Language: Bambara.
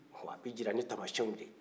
awo a b'i jira ni tamasiɲɛw de ye